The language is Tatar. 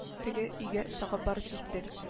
Теге өйгә чак барып җиттек